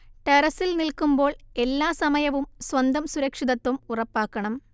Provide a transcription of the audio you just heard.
ടെറസ്സിൽ നിൽക്കുമ്പോൾ എല്ലാ സമയവും സ്വന്തം സുരക്ഷിതത്വം ഉറപ്പാക്കണം